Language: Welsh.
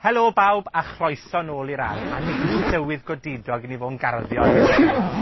Helo bawb, a chroeso nôl i'r ardd. A nig yw 'i'n dywydd godidog i ni fo' yn garddio ar hyn o bryd?